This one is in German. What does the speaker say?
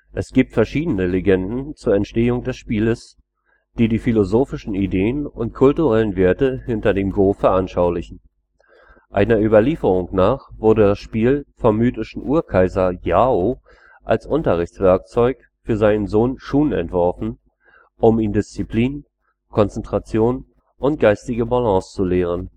Es gibt verschiedene Legenden zur Entstehung des Spieles, die die philosophischen Ideen und kulturellen Werte hinter dem Go veranschaulichen. Einer Überlieferung nach wurde das Spiel vom mythischen Urkaiser Yao als Unterrichtswerkzeug für seinen Sohn Shun entworfen, um ihn Disziplin, Konzentration und geistige Balance zu lehren